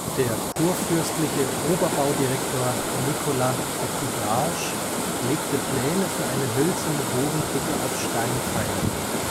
Der kurfürstliche Oberbaudirektor Nicolas de Pigage legte Pläne für eine hölzerne Bogenbrücke auf Steinpfeilern vor